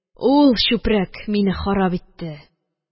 Ул чүпрәк, мине харап итте